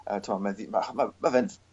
a t'mo' ma'n ddy- ma' ma' ma' fe'n